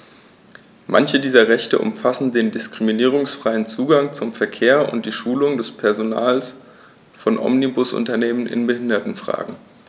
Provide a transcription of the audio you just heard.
Manche dieser Rechte umfassen den diskriminierungsfreien Zugang zum Verkehr und die Schulung des Personals von Omnibusunternehmen in Behindertenfragen.